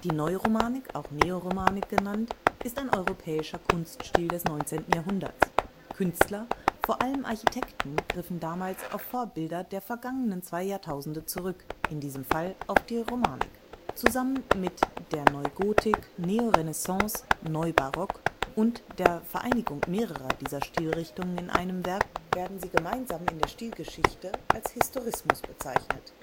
Neuromanik, auch Neoromanik genannt, ist ein europäischer Kunststil des 19. Jahrhunderts. Künstler, vor allem Architekten, griffen damals auf Vorbilder der vergangenen zwei Jahrtausende zurück – in diesem Falle auf die Romanik. Zusammen mit der Neugotik, Neorenaissance, Neubarock und der Vereinigung mehrerer dieser Stilrichtungen in einem Werk (sogenannter Eklektizismus) werden sie gemeinsam in der Stilgeschichte als Historismus bezeichnet